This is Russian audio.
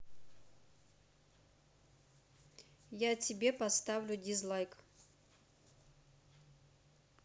я тебе поставлю дизлайк